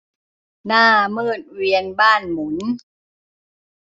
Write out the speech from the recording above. หน้ามืดเวียนบ้านหมุน